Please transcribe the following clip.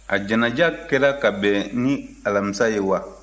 a janaja kɛra ka bɛn ni alamisa ye wa